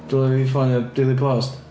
Dylia ni ffonio Daily Post?